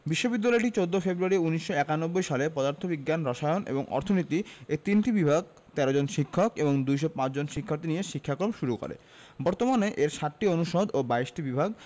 বিশ্ববিদ্যালয়টি ১৪ ফেব্রুয়ারি ১৯৯১ সালে পদার্থ বিজ্ঞান রসায়ন এবং অর্থনীতি এ তিনটি বিভাগ ১৩ জন শিক্ষক এবং ২০৫ জন শিক্ষার্থী নিয়ে শিক্ষাক্রম শুরু করে বর্তমানে এর ৭টি অনুষদ ও ২২টি বিভাগ